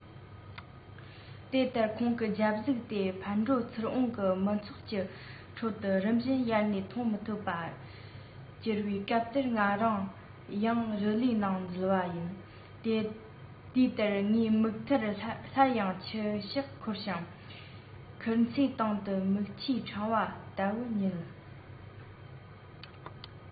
དེ ལྟར ཁོང གི རྒྱབ གཟུགས དེ ཕར འགྲོ ཚུར འོང གི མི ཚོགས ཀྱི ཁྲོད དུ རིམ བཞིན ཡལ ནས མཐོང མི ཐུབ པར གྱུར པའི སྐབས དེར ང རང ཡང རི ལིའི ནང འཛུལ བ ཡིན དུས དེར ངའི མིག མཐར སླར ཡང མཆི ཞག འཁོར ཞིང མཁུར ཚོས སྟེང དུ མིག ཆུའི ཕྲེང བ དལ བུར ཉིལ